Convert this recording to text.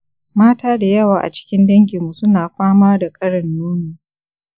mata da yawa a cikin danginmu su na fama da ƙarin nono